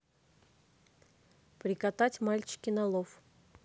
прикатать мальчики на love